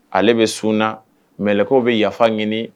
Ale bɛ sun mɛlɛw bɛ yafa ɲini